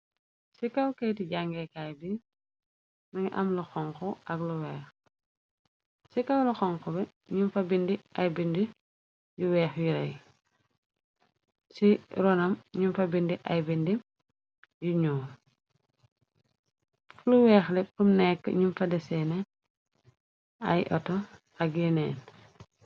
ci kawkayti jangeekaay bi nangi aakci kawlu xonxu bi ñum fa bindi ay bind yu weex yu rey ci ronam ñum fa bindi ay bindi yu ñoo flu weexle kum nekk ñum fa deseene ay oto ak yeneen